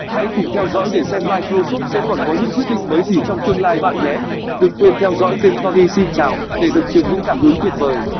hãy cùng theo dõi để xem microsoft sẽ còn có những quyết định mới gì trong tương lai bạn nhé đừng quên theo dõi kênh tony xin chào để được truyền những cảm hứng tuyệt vời